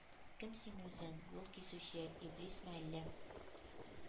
Кем син үзең? Юл кисүче? Иблисме әллә?